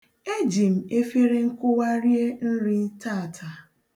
E jim efere nkụwa rie nri taata.